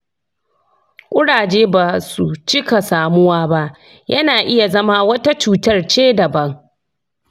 kuraje basu cika samuwa ba; yana iya zama wata cutar ce daban.